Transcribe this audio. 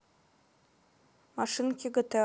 машинки гта